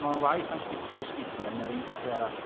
Mae'n waeth am sticio i sgidiau na'r un cachu arall.